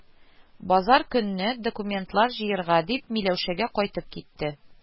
Базар көнне, «документлар» җыярга дип, Миләүшәгә кайтып китте